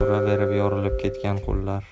uraverib yorilib ketgan qo'llari